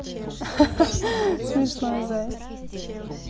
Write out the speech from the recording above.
ахаха смешной зай